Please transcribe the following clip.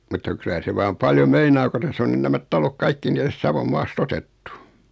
mutta kyllä se vaan paljon meinaa kun tässä on nyt nämä talot kaikki niin tästä Savon maasta otettu